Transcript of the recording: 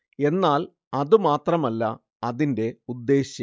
എന്നാൽ അതു മാത്രമല്ല അതിന്റെ ഉദ്ദേശ്യം